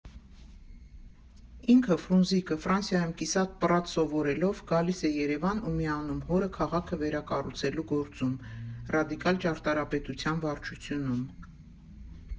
Ինքը՝ Ֆրունզիկը, Ֆրանսիայում կիսատ֊պռատ սովորելով, գալիս է Երևան ու միանում հորը քաղաքը վերակառուցելու գործում՝ «Ռադիկալ ճարտարապետության վարչությունում»։